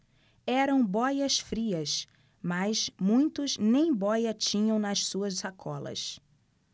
eram bóias-frias mas muitos nem bóia tinham nas suas sacolas